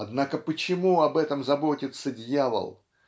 Однако почему об этом заботится дьявол?